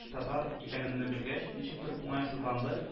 Татар икәнемне белгәч, ничектер, уңайсызланды